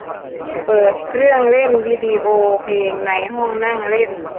เปิดเครื่องเล่นวิดิโอเพลงในห้องนั่งเล่น